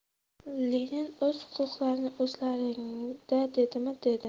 lenin o'z huquqlaring o'zlaringda dedimi dedi